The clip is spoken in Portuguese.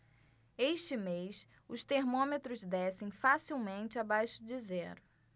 este mês os termômetros descem facilmente abaixo de zero